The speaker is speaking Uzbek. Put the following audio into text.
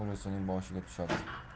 el ulusning boshiga tushadir